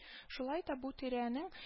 Шулай да бу тирәнең